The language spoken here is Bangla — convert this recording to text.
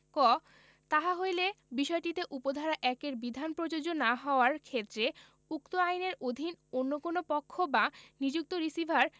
ক তাহা হইলে বিষয়টিতে উপ ধারা ১ এর বিধান প্রযোজ্য না হওয়ার ক্ষেত্রে উক্ত আইন এর অধীন অন্য কোন পক্ষ অথবা নিযুক্ত রিসিভার